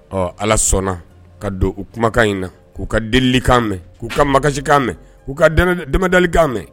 Ɔ ala sɔnna ka don u kumakan in na k'u ka delilikan mɛn k'u ka makasikan mɛn k'u ka damadkan mɛn